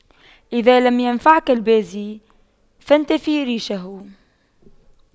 إذا لم ينفعك البازي فانتف ريشه